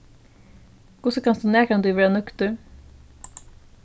hvussu kanst tú nakrantíð vera nøgdur